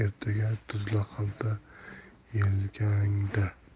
ertaga tuzli xalta yelkangda